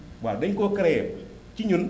waaw daén koo créé ci ñun